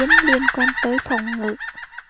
liên quan tới phòng ngự